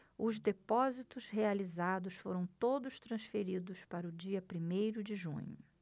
os depósitos realizados foram todos transferidos para o dia primeiro de junho